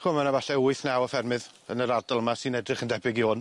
Ch'mo' ma' 'na falle wyth naw o ffermydd yn yr ardal yma sy'n edrych yn debyg i 'wn.